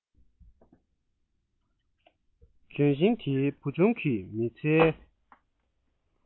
ལྗོན ཤིང འདི བུ ཆུང གིས མི ཚེའི